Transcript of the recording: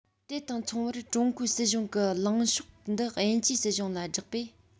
དེ དང མཚུངས པར ཀྲུང གོའི སྲིད གཞུང གིས ལངས ཕྱོགས འདི དབྱིན ཇིའི སྲིད གཞུང ལ བསྒྲགས པས